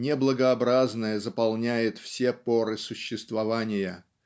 неблагообразное заполняет все поры существования